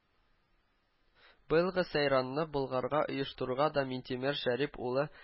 Быелгы сәйранны Болгарда оештыруга да Минтимер Шәрип улы